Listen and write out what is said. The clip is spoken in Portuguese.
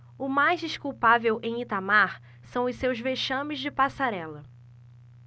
o mais desculpável em itamar são os seus vexames de passarela